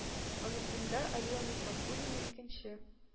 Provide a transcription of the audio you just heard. Анысында Алия Нигъмәтуллина - икенче,